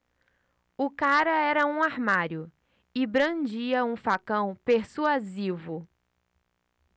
o cara era um armário e brandia um facão persuasivo